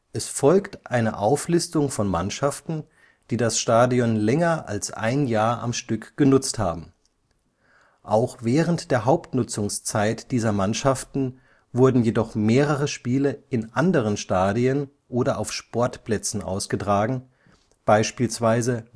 Hier sind die Mannschaften aufgelistet, die das Stadion länger als ein Jahr am Stück genutzt haben. Auch während der Hauptnutzungszeit dieser Mannschaften wurden jedoch mehrere Spiele in anderen Stadien oder auf Sportplätzen ausgetragen, beispielsweise